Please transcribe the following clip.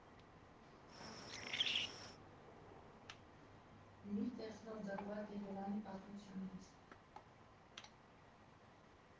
Մի տեխնո դրվագ Երևանի պատմությունից։